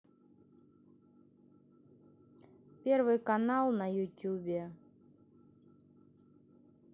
первый канал на ютубе